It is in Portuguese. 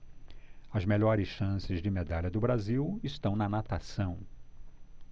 as melhores chances de medalha do brasil estão na natação